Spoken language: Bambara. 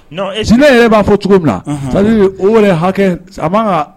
B'a hakɛ